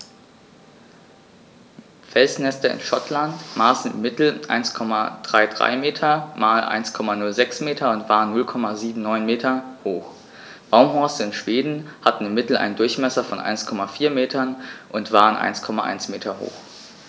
Felsnester in Schottland maßen im Mittel 1,33 m x 1,06 m und waren 0,79 m hoch, Baumhorste in Schweden hatten im Mittel einen Durchmesser von 1,4 m und waren 1,1 m hoch.